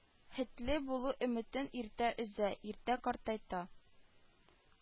Хетле булу өметен иртә өзә, иртә картайта